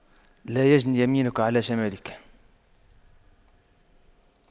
لا تجن يمينك على شمالك